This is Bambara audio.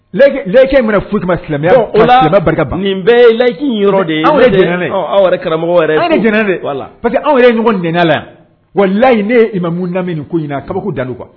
Kɛ in minɛ furu ma silamɛ la barika bɛɛ layiki de yeɛnɛn aw karamɔgɔ pa que aw yɛrɛ ɲɔgɔn nɛnɛ la yan wa layi ne i ma mun lam nin ko in kaba dalenlu kuwa